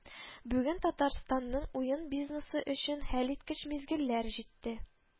Бүген Татарстанның уен бизнесы өчен хәлиткеч мизгелләр җитте